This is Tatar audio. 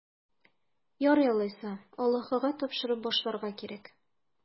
Ярый алайса, Аллаһыга тапшырып башларга кирәк.